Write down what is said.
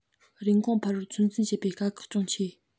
རིན གོང འཕར བར ཚོད འཛིན བྱེད པའི དཀའ ཁག ཅུང ཆེ